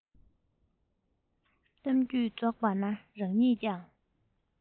གཏམ རྒྱུད རྫོགས པ ན རང ཉིད ཀྱང